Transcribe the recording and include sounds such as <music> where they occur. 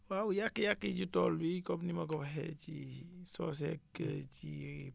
waaw yàq-yàq yi ci tool yi comme ni ma ko waxee ci soceeg ci <hesitation>